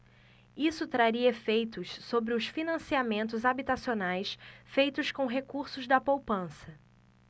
isso traria efeitos sobre os financiamentos habitacionais feitos com recursos da poupança